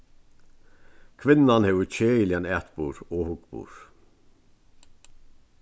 kvinnan hevur keðiligan atburð og hugburð